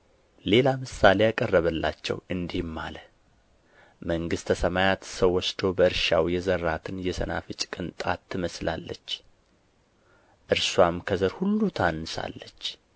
ሌላ ምሳሌ አቀረበላቸው እንዲህም አለ መንግሥተ ሰማያት ሰው ወስዶ በእርሻው የዘራትን የሰናፍጭ ቅንጣት ትመስላለች እርስዋም ከዘር ሁሉ ታንሳለች